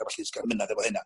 a ballu sgan mynadd efo hynna.